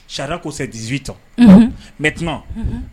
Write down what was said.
Sariyara kosɛbɛ dizbitɔ mɛtuma